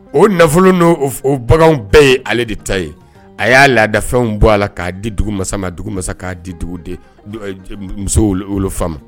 O nafolo n'o baganw bɛɛ ye ale de ta ye, a y'a laadafɛnw bɔ, a la ka'a di dugu masa ma ,dugu masa k'a di dugu de muso fa